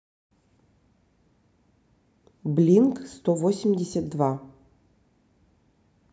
блинк сто восемьдесят два